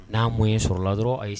N'a mun ye sɔrɔla la dɔrɔn ayi ye